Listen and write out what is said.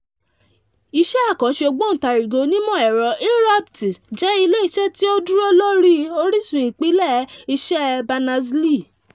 Iṣẹ́ àkànṣe Ògbóǹtarìgì onímọ̀ ẹ̀rọ, Inrupt, jẹ́ ilé iṣẹ́ tí ó dúró lórí i orísun ìpìlẹ̀ iṣẹ́ Berners-Lee.